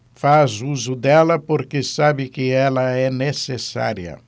faz uso dela porque sabe que ela é necessária